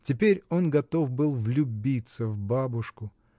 Теперь он готов был влюбиться в бабушку.